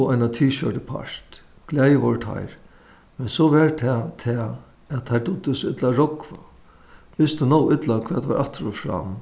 og eina t-shirt í part glaðir vóru teir men so var tað tað at teir dugdi so illa at rógva vistu nóg illa hvat var aftur og fram